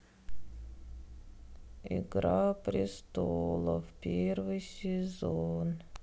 игра престолов первый сезон